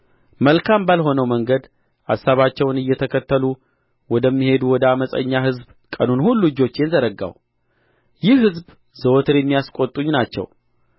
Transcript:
መልካም ባልሆነው መንገድ አሳባቸውን እየተከተሉ ወደሚሄዱ ወደ ዓመፀኛ ሕዝብ ቀኑን ሁሉ እጆቼን ዘረጋሁ ይህ ሕዝብ ዘወትር የሚያስቈጡኝ ናቸው